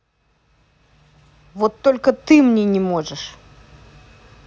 вот только ты мне не можешь